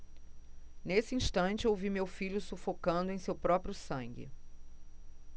nesse instante ouvi meu filho sufocando em seu próprio sangue